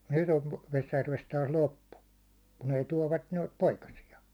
nyt on Vesijärvestä taas loppu kun ei tuovat noita poikasia